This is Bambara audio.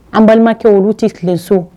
An balimakɛ olu tɛ tilen so